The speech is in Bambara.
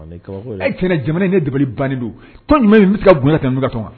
Jamana in don ka gu ka tɔn wa